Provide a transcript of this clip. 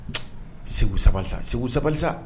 Seku sabali sa Seku sabali sa